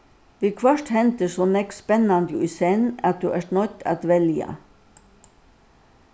viðhvørt hendir so nógv spennandi í senn at tú ert noydd at velja